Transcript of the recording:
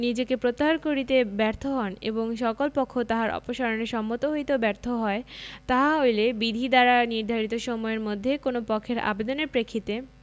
নিজেকে প্রত্যাহার কারিতে ব্যর্থ হন এবং সকল পক্ষ তাহার অপসারণে সম্মত হইতেও ব্যর্থ হয় তাহা হইলে বিধি দ্বারা নির্ধারিত সময়ের মধ্যে কোন পক্ষের আবেদনের প্রেক্ষিতে